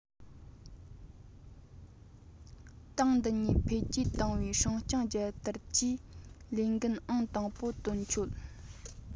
ཏང འདི ཉིད འཕེལ རྒྱས གཏོང བའི སྲིད སྐྱོང རྒྱལ དར གྱི ལས འགན ཨང དང པོ དོན འཁྱོལ